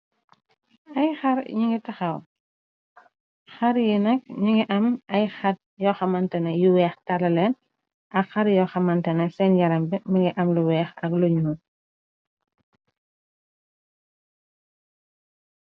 Ay xaar ni gi tahaw yi xaar yi nak ñi ngi am ay xaryooxamantena yu weex talaleen ak xar yo-xamantene seen yaram bi mingi am lu weex ak lu ñuul.